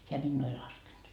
hän minua ei laskenut